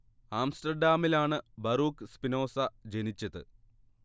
ആംസ്റ്റർഡാമിലാണ് Baruch Spinoza ജനിച്ചത്